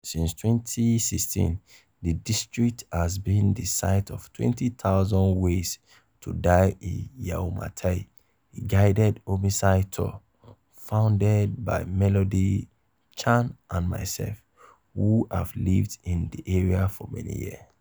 Since 2016, the district has been the site of "20,000 ways to die in Yau Ma Tei", a guided "homicide tour" founded by Melody Chan and myself, who have lived in the area for many years.